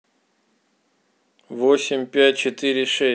восемь пять четыре шесть